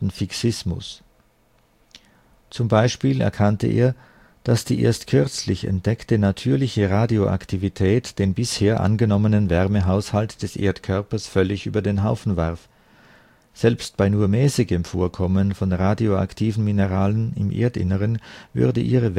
Fixismus “). Zum Beispiel erkannte er, dass die erst kürzlich entdeckte natürliche Radioaktivität den bisher angenommenen Wärmehaushalt des Erdkörpers völlig über den Haufen warf. Selbst bei nur mäßigem Vorkommen von radioaktiven Mineralen im Erdinneren würde ihre